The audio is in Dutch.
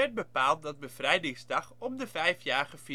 bepaald dat bevrijdingsdag om de vijf jaren